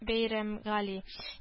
Бәйрәмгали